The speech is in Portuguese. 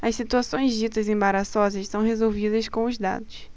as situações ditas embaraçosas são resolvidas com os dados